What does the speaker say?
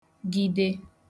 gịde